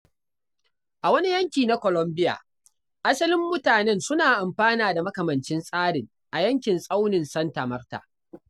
A wani yanki na Colombia, asalin mutanen suna amfana da makamancin tsarin a yankin tsaunin Santa Marta.